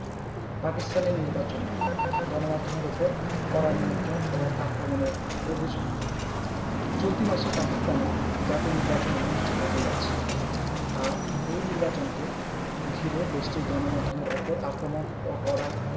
পাকিস্তানে নির্বাচন গণমাধ্যমের ওপর কড়া নিয়ন্ত্রণ ও আক্রমণের অভিযোগ চলতি মাসে পাকিস্তানে জাতীয় নির্বাচন অনুষ্ঠিত হতে যাচ্ছে আর এই নির্বাচনকে ঘিরে দেশটির গণমাধ্যমের ওপর আক্রমণ ও কড়া